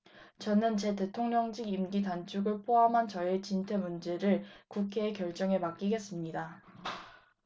저는 제 대통령직 임기 단축을 포함한 저의 진퇴 문제를 국회의 결정에 맡기겠습니다